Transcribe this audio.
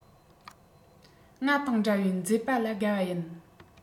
ང དང འདྲ བའི མཛེས པ ལ དགའ བ ཡིན